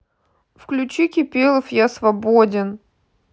включи кипелов я свободен